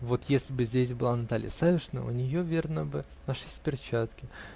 -- Вот если бы здесь была Наталья Савишна: у нее, верно бы, нашлись и перчатки.